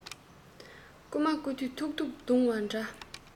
རྐུན མ རྐུ དུས ཐུག ཐུག རྡུང བ འདྲ